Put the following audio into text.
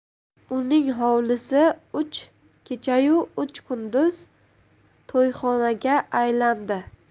uning hovlisi uch kechayu uch kunduz to'yxonaga aylandi